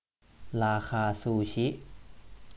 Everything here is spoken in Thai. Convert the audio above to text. ราคาซูชิ